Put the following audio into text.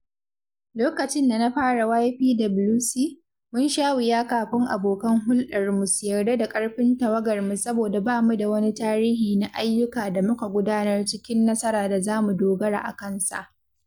Lokacin da na fara YPWC, mun sha wuya kafin abokan huldarmu su yarda da ƙarfin tawagarmu saboda ba mu da wani tarihi na ayyuka da muka gudanar cikin nasara da za mu dogara a kansa.